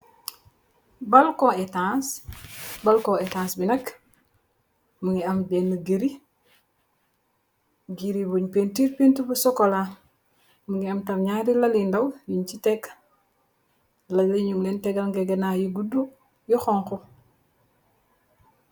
bntsbalcon étans bi nakk mu ngi am bénn giri giri buñ pintiir pint bu sokola mu ngi am tarñaari lali ndaw yuñ ci tekk la li num leen tegal nge gena yi gudd yoxonku